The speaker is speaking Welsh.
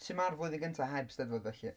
Sut ma'r flwyddyn gyntaf heb 'Steddfod felly?